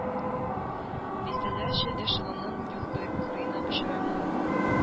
Дистәләрчә эшелонын юл кырыена “очыра”.